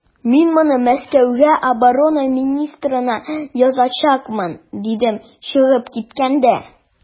Мин моны Мәскәүгә оборона министрына язачакмын, дидем чыгып киткәндә.